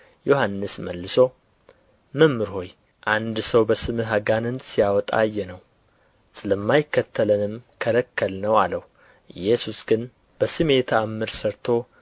ዮሐንስ መልሶ መምህር ሆይ አንድ ሰው በስምህ አጋንንትን ሲያወጣ አየነው ስለማይከተለንም ከለከልነው አለው ኢየሱስ ግን አለ በስሜ ተአምር ሠርቶ